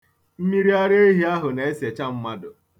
Mmiriara ehi a na-esecha mmadụ.